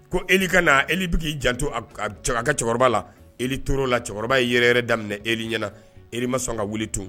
Ko Eli ka na Eli bɛ k'i janto a ka cɛkɔrɔba la Eli tor'o la cɛkɔrɔba yɛrɛyɛrɛ daminɛ Eli ɲɛna Eli ma sɔn ka wuli tun